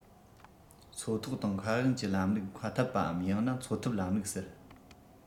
མཚོ ཐོག དང མཁའ དབྱིངས ཀྱི ལམ ལུགས མཁའ འཐབ པའམ ཡང ན མཚོ འཐབ ལམ ལུགས ཟེར